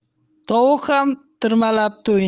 tovuq ham tirmalab to'yinar